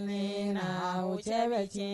Miniyan cɛ bɛ tiɲɛ